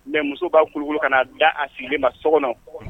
Mɛ muso b'a kulu ka da a sigilen ma so kɔnɔ